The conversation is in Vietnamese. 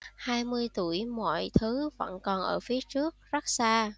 hai mươi tuổi mọi thứ vẫn còn ở phía trước rất xa